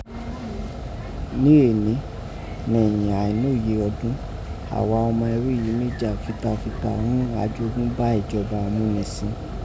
Nn èní, nẹ̀yìn àìnóye ọdọ́n, àwa ọma ẹrú yìí mí jà fitafita ghún àjogúnbá ìjọba amúnẹsìn.